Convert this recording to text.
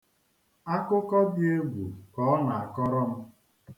Akụkọ dị egwu ka ọ na-akọrọ m.